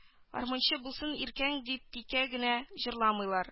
Гармунчы булсын иркәң дип тиккә генә җырламыйлар